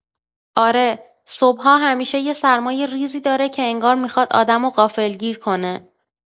آره، صبحا همیشه یه سرمای ریزی داره که انگار میخواد آدمو غافلگیر کنه.